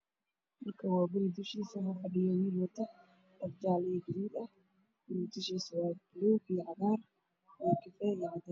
Halkaan waa guri diushiisa waxaa fadhiyo wiil wato dhar jaale iyo buluug ah, guriga dushiisa waa jaale, buluug iyo cagaar.